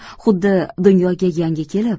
xuddi dunyoga yangi kelib